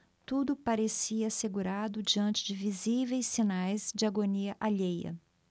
tudo parecia assegurado diante de visíveis sinais de agonia alheia